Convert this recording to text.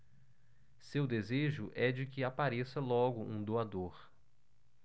seu desejo é de que apareça logo um doador